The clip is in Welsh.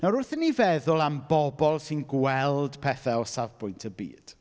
Nawr, wrth i ni feddwl am bobl sy'n gweld pethe o safbwynt y byd.